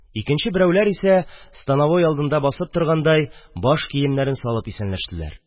Икенче берәүләр исә, становой алдында басып торгандай, баш киемнәрен салып исәнләштеләр.